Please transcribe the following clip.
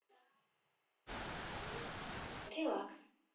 релакс